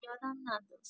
یادم ننداز